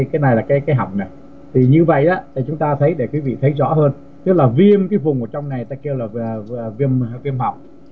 cái này là cái cái họng này thì như vậy á thì chúng ta thấy được cái vị trí rõ hơn tức là viêm cái vùng trong này ta kêu là viêm viêm họng